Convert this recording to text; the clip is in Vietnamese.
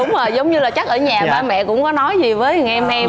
đúng rồi giống như là chắc ở nhà ba mẹ cũng có nói gì với thằng em em